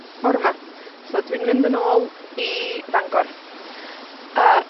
Ffor' 'ma, so, dwi'n mynd yn ôl i Fangor. A,